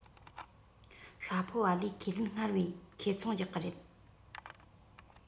ཤྭ ཕོ བ ལས ཁས ལེན སྔར བས ཁེ ཚོང རྒྱག གི རེད